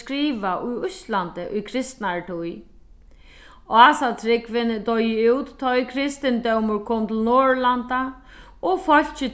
skrivað í íslandi í kristnari tíð ásatrúgvin doyði út tá ið kristindómur kom til norðurlanda og fólkið